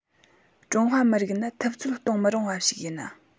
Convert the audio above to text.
ཀྲུང ཧྭ མི རིགས ནི ཐུབ ཚོད གཏོང མི རུང བ ཞིག ཡིན